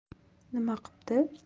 nima qipti